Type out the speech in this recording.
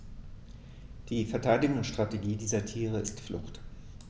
Die Verteidigungsstrategie dieser Tiere ist Flucht.